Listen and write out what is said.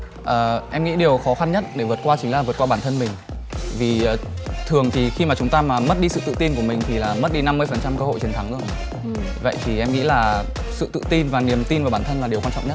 ờ em nghĩ điều khó khăn nhất để vượt qua chính là vượt qua bản thân mình vì thường thì khi mà chúng ta mà mất đi sự tự tin của mình thì là mất đi năm mươi phần trăm cơ hội chiến thắng rồi vậy thì em nghĩ là sự tự tin và niềm tin vào bản thân là điều quan trọng nhất